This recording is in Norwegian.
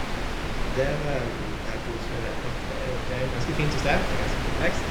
Og der der koser jeg meg veldig, det er jo det er et ganske fint system, det er ganske komplekst.